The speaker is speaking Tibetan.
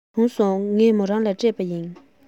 བྱུང སོང ངས མོ རང ལ སྤྲད པ ཡིན